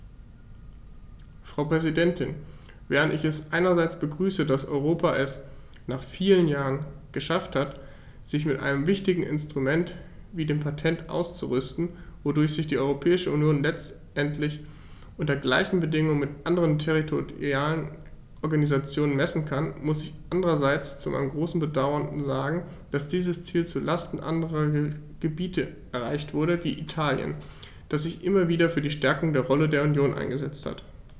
Frau Präsidentin, während ich es einerseits begrüße, dass Europa es - nach vielen Jahren - geschafft hat, sich mit einem wichtigen Instrument wie dem Patent auszurüsten, wodurch sich die Europäische Union letztendlich unter gleichen Bedingungen mit anderen territorialen Organisationen messen kann, muss ich andererseits zu meinem großen Bedauern sagen, dass dieses Ziel zu Lasten anderer Gebiete erreicht wurde, wie Italien, das sich immer wieder für die Stärkung der Rolle der Union eingesetzt hat.